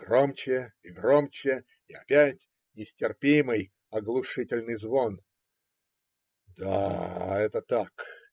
громче и громче, и опять нестерпимый, оглушительный звон. Да, это так